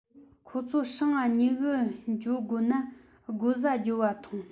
ཁོད ཚོ སྲང ང ཉུལ གི འགྱོ དགོ ན སྒོ ཟྭ རྒྱོབ བ ཐོངས